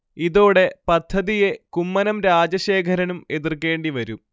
ഇതോടെ പദ്ധതിയെ കുമ്മനം രാജശേഖരനും എതിർക്കേണ്ടി വരും